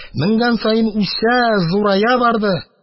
Менгән саен үсә, зурая барды.